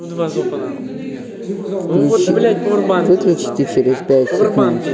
выключение через пять секунд